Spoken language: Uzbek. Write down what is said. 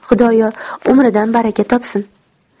xudoyo umridan baraka topsin